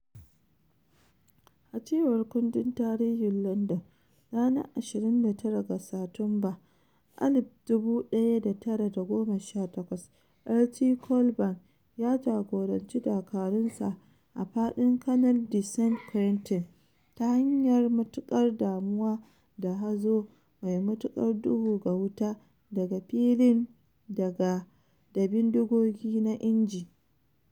A cewar kundin tarihin London, ranar 29 ga Satumba 1918, Lt Col Vann ya jagoranci dakarunsa a fadin Canal de Saint-Quentin "ta hanyar mai matukar damuwa da hazo mai matukar duhu ga wuta daga filin daga da bindigogi na inji."